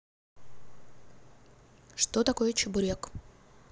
что такое чебурек